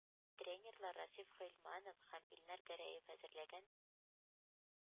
Тренерлар Расиф Гыйльманов һәм Илнар Гәрәев әзерләгән